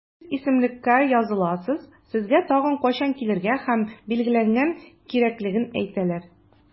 Сез исемлеккә языласыз, сезгә тагын кайчан килергә һәм билгеләнергә кирәклеген әйтәләр.